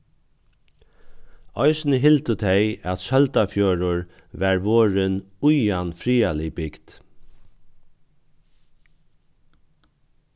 eisini hildu tey at søldarfjørður var vorðin íðan friðarlig bygd